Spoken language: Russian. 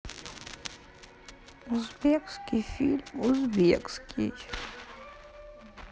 узбекский фильм узбекский